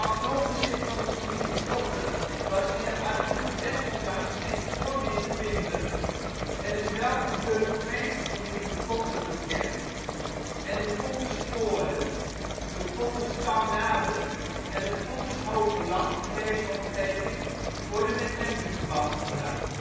grondbezit van een familie Potter was in de archieven desondanks geen spoor (meer) te vinden. Er is wel een burgemeesterfamilie Potter bekend en de Pottersvoorde, de potterskamnade en het Pottershoogeland in deze omgeving worden met hen in verband gebracht